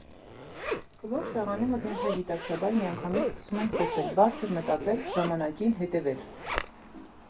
Կլոր սեղանի մոտ ենթագիտակցաբար միանգամից սկսում ես խոսել, բարձր մտածել, ժամանակին հետևել։